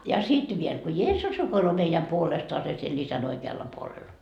ja sitten vielä kun Jeesus rukoilee meidän puolestaan siellä isän oikealla puolella